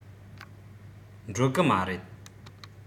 འགྲོ གི མ རེད